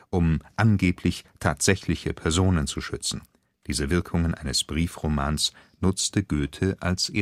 um (angeblich) tatsächliche Personen zu schützen. Diese Wirkungen eines Briefromans nutzte Goethe als